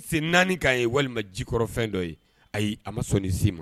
Sen 4 kan ye walima jikɔrɔfɛn dɔ ye ayi a ma sɔn nin si ma